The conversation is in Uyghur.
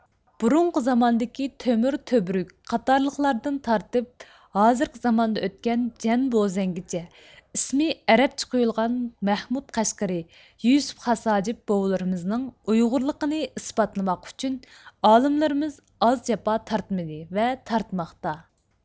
بۇرۇنقى زاماندىكى تۆمۈر تۆبرۈك قاتارلىقلاردىن تارتىپ ھازىرقى زاماندا ئۆتكەن جەنبوزەنگىچە ئىسمى ئەرەپچە قويۇلغان مەخمۇت قەشقىرى يۈسۈپ خاس ھاجىپ بوۋىلىرىمىزنىڭ ئۇيغۇرلىقىنى ئىسپاتلىماق ئۈچۈن ئالىملىرىمىز ئاز جاپا تارتمىدى ۋە تارتماقتا